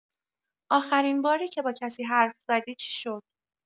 آخرین باری که با کسی حرف زدی چی شد؟